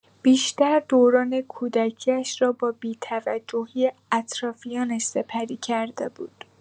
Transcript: بیشتر دوران کودکی‌اش را با بی‌توجهی اطرافیانش سپری کرده بود.